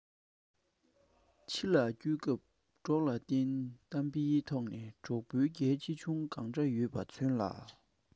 ཕྱི ལ སྐྱོད སྐབས གྲོགས ལ བརྟེན གཏམ དཔེའི ཐོག ནས གྲོགས པོའི གལ ཆེ ཆུང གང འདྲ ཡོད པ མཚོན ལ